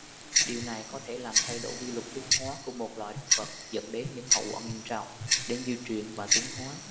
điều này có thể làm thay đổi quy luật tiến hóa của một loài động vật dẫn đến những hậu quả nghiêm trọng đến di truyền và tiến hóa